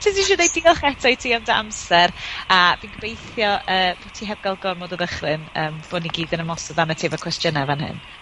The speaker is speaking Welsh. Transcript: Jyst isio deud diolch eto i ti am dy amser, a fi gobeithio yy bod ti heb ga'l gormod o ddychryn yym, bo' ni gyd yn ymosod arnat ti efo cwestiyne fan hyn.